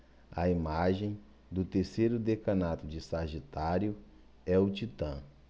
a imagem do terceiro decanato de sagitário é o titã